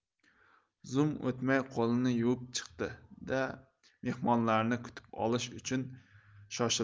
zum o'tmay qo'lini yuvib chiqdi da mehmonlarni kutib olish uchun shoshildi